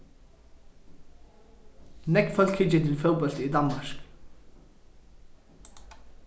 nógv fólk hyggja eftir fótbólti í danmark